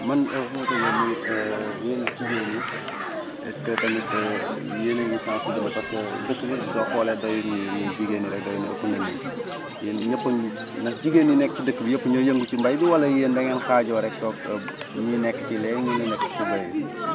man fi may tëjee mooy yéen jigéen ñi est ce que tamit yéen a ngi sensibiliser parce que dëkk bi soo xoolee dayu ñu nii yéen jigéen ñi rek doy na ëpp na lii ñepp a ndax jigéen yi nekk ci dëkk bi yëpp ñooy yëngu ci bay bi wala yeen dangeen xaajoo rek toog ñii nekk ci lee ñii nekk ci lee